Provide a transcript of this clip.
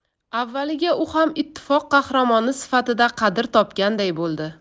avvaliga u ham ittifoq qahramoni sifatida qadr topganday bo'ldi